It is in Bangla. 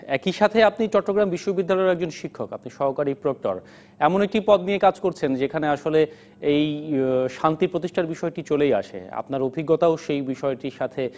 একই সাথে আপনি চট্টগ্রাম বিশ্ববিদ্যালয়ের একজন শিক্ষক আপনি সহকারী প্রক্টর এমন একটি পদ নিয়ে কাজ করছেন আসলে এই শান্তি প্রতিষ্ঠার বিষয়টি চলেই আসে আপনার অভিজ্ঞতাও সেই বিষয়টির সাথে